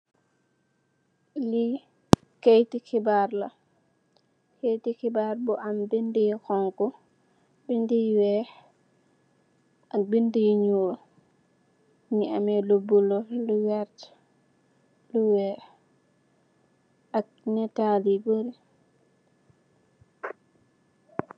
Lii kaiiti xibarr la kaiiti xibarr bi am bindi yu xonxu bindi yu wekh ak bindi yu nyul mungi ameh lu bulo lu wert lu wekh ak nital yu barri.